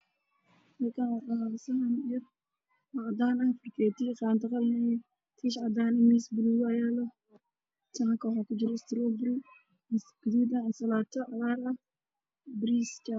Meeshaan dhex ayaa lumiska ayaa waxaa saaran sax xumaan saxan wax ku jiro bariis oo qudaar farabadan saaran tahay